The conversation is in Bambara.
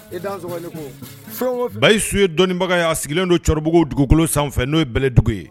Ba su ye dɔnnibaga y'a sigilen don cɛkɔrɔbabugu dugukolo sanfɛ n'o ye bɛlɛdugu ye